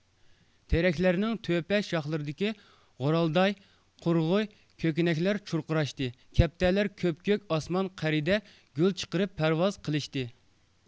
تېرەكلەرنىڭ تۆپە شاخلىرىدىكى غورالداي قۇرغۇي كۆكىنەكلەر چۇرقۇراشتى كەپتەرلەر كۆپكۆك ئاسمان قەرىدە گۈل چىقىرىپ پەرۋاز قىلىشتى